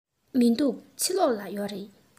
མི འདུག ཕྱི ལོགས ལ ཡོད རེད